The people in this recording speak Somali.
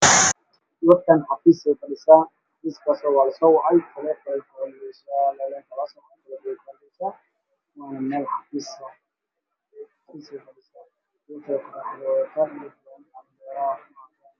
Waa gabar kombiyutar isticmaalaa